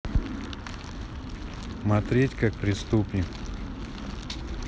мотреть как преступник